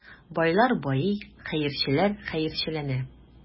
Байлар байый, хәерчеләр хәерчеләнә.